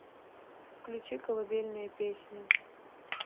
включи колыбельные песни